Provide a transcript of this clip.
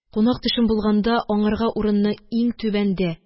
Кунак-төшем булганда, аңарга урынны иң түбәндә